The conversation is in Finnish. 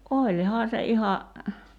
olihan se ihan